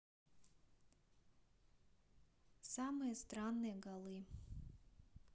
самые странные голы